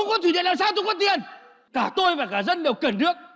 có thủy điện làm sao tôi có tiền cả tôi và cả dân đều cần nước